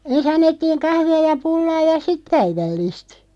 ensin annettiin kahvia ja pullaa ja sitten päivällistä